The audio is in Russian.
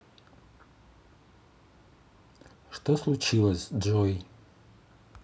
что случилось джой